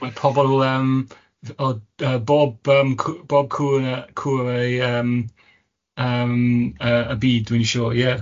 Mae pobol yym o yy bob yym cw- bob cwr yy cwr yy yym yy y byd dwi'n siŵr, ie.